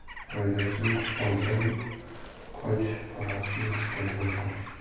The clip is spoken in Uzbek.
foydasi yo'q boydan qoch panasi yo'q soydan qoch